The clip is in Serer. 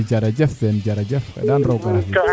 jerafef Sene Jerajef xeɗan rooga